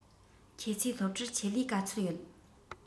ཁྱོད ཚོའི སློབ གྲྭར ཆེད ལས ག ཚོད ཡོད